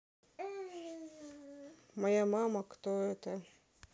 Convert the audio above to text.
моя мама кто это